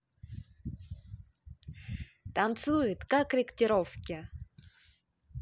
танцует как ректировке